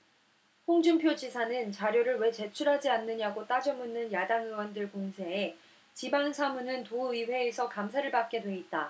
홍준표 지사는 자료를 왜 제출하지 않느냐고 따져 묻는 야당 의원들 공세에 지방 사무는 도의회에서 감사를 받게 돼 있다